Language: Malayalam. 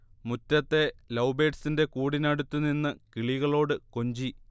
മുറ്റത്തെ ലൗബേഡ്സിന്റെ കൂടിനടുത്ത് നിന്ന് കിളികളോട് കൊഞ്ചി